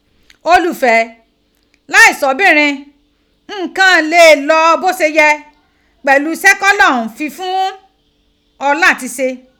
Olufe, laisi obinrin nnkan le lo bo se ye pelu ise ki Olorun fifun o lati se.